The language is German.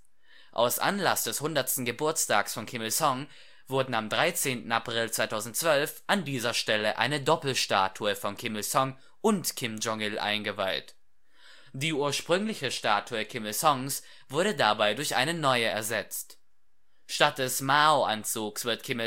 Aus Anlass des 100. Geburtstags von Kim Il-sung wurde am 13. April 2012 an dieser Stelle eine Doppelstatue von Kim Il-sung und Kim Jong-il eingeweiht. Die ursprüngliche Statue Kim Il-sungs wurde dabei durch eine neue ersetzt. Statt des Mao-Anzugs wird Kim